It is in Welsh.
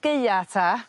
Gaea ta.